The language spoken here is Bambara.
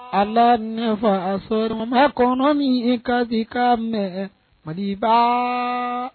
A la ne fa a sɔrɔ ma kɔnɔ min ka di ka mɛn mali ba